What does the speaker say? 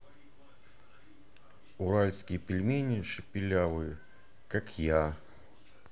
уральские пельмени шепелявый